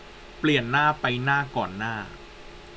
เปลี่ยนหน้าไปหน้าก่อนหน้า